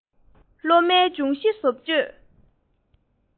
སློབ མའི སྦྱོང གཞི བཟོ བཅོས